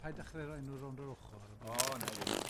Paid dechre roi hw rownd yr ochor... O wnai ddim.